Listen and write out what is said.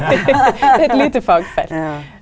ja.